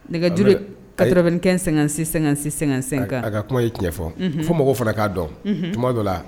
Nɛgɛj ka kɛ sɛgɛn-sɛ-sɛsɛ ka ka kuma ye tiɲɛ ɲɛfɔ fo mɔgɔw fana k'a dɔn tuma dɔ la